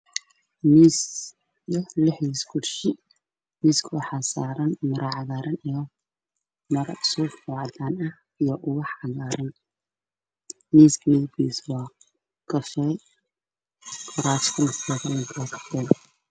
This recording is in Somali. Miis iyo lixdiisa kursi